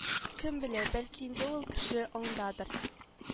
Кем белә бәлки инде ул кеше андадыр